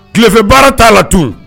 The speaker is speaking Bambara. Tilefɛ baara t'a la ten